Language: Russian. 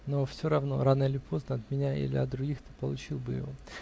но все равно, рано или поздно, от меня или от других, ты получил бы его